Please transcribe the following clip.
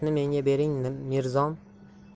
menga bering mirzom